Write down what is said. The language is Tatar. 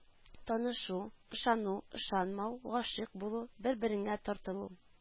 Танышу, ышану, ышанмау, гашыйк булу, бербереңə тартылу